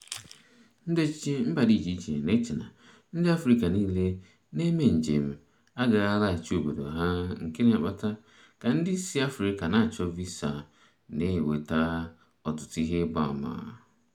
Ndị ọchịchị mba dị icheiche na-eche na ndị Afrịka niile na-eme njem agaghị alaghachi obodo ha, nke na-akpata ka ndị si Afrịka na-achọ visa na-eweta ọtụtụ ihe ịgbaàmà.